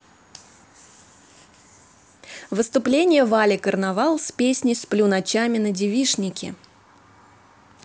выступление вали карнавал с песней сплю ночами на девичнике